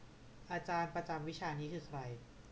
อาจารย์ประจำวิชานี้คือใคร